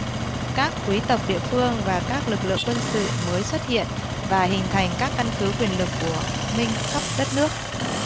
các quý tộc địa phương và các lực lượng quân sự mới xuất hiện và hình thành các căn cứ quyền lực của minh khắp đất nước